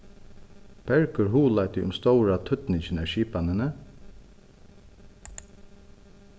bergur hugleiddi um stóra týdningin av skipanini